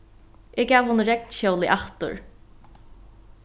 eg gav honum regnskjólið aftur